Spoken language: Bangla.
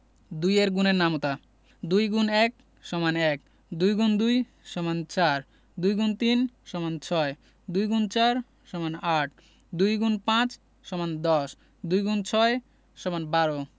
২ এর গুণের নামতা ২ X ১ = ১ ২ X ২ = ৪ ২ X ৩ = ৬ ২ X ৪ = ৮ ২ X ৫ = ১০ ২ X ৬ = ১২